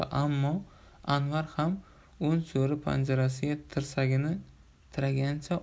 ammo anvar ham on so'ri panjarasiga tirsagini tiragancha